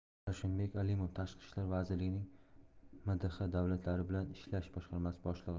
ravshanbek alimov tashqi ishlar vazirligining mdh davlatlari bilan ishlash boshqarmasi boshlig'i